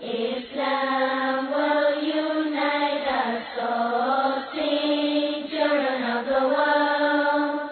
N mɔ yoinɛ' cɛ jama